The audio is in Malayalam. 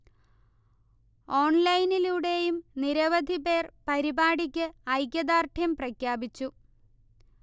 ഓൺലൈനിലൂടെയും നിരവധി പേർ പരിപാടിക്ക് ഐക്യദാർഢ്യം പ്രഖ്യാപിച്ചു